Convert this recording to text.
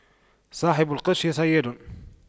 صاحب القرش صياد